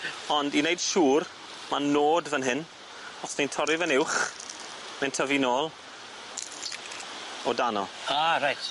Ond i neud siŵr ma' nod fan hyn os ni'n torri fe'n uwch mae'n tyfu nôl o dan o. Ah reit.